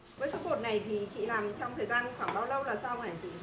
với cái bột này thì chị làm trong thời gian khoảng bao lâu là xong hả chị